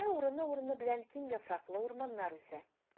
Анда урыны-урыны белән киң яфраклы урманнар үсә.